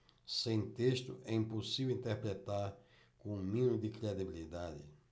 sem texto é impossível interpretar com o mínimo de credibilidade